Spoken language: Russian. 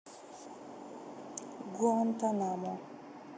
гуантанамо